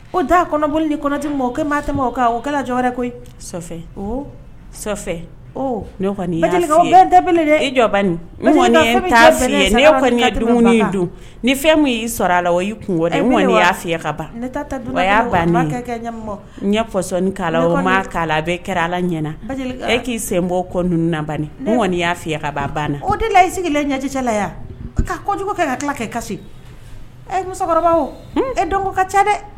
O da kɔnɔoli ni kɔndi ma o kɛ maa o o kɛra jɔ koyi da e jɔbanyad dun ni fɛn min y'i sɔrɔ a la o kɔn y'a lafiya ka'sɔn'' bɛ kɛra ala ɲɛ e k'i sen bɔ kɔndban kɔni y'aya ka ban banna o de la ii la ɲɛcɛlaya kɛ ka tila kɛ kasi e musokɔrɔba e don ka ca dɛ